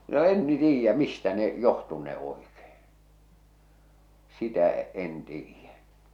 no en niin tiedä mistä ne johtunee oikein sitä en tiedä